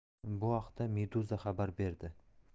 bu haqda meduza xabar berdi